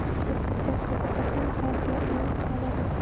qiz desa qiziqasan hay hay uning qalini